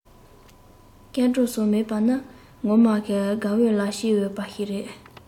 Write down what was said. སྐར གྲངས སོགས མེད པ ནི ངོ མ དགའ འོས ལ སྐྱིད འོས པ ཞིག རེད